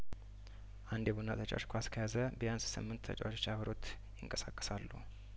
አንድ የቡና ተጫዋች ኳስ ከያዘ ቢያንስ ስምንት ተጫዋቾች አብረውት ይንቀሳቀሳሉ